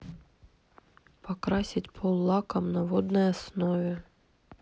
покрасить пол лаком на водной основе